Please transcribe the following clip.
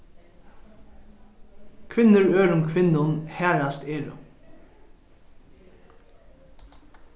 kvinnur øðrum kvinnum harðast eru